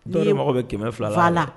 N' ye mɔgɔ bɛ kɛmɛ fila fa la